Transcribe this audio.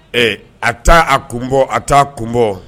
Ee a taa a kunbon a' kunbo